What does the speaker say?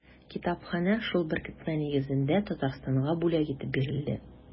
Китапханә шул беркетмә нигезендә Татарстанга бүләк итеп бирелде.